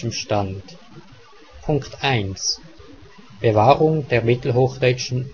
Stand: 1) Bewahrung der mittelhochdeutschen